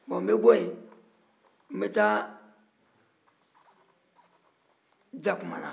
bon n bɛ bɔ yen n bɛ taa dakumana